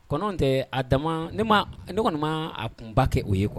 Kɔnɔn tɛ a dama ne ne kɔni ma kunba kɛ o ye kuwa